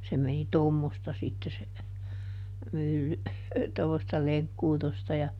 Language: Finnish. se meni tuommoista sitten se mylly tuommoista lenkkuutosta ja